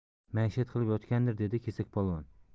maishat qilib yotgandir dedi kesakpolvon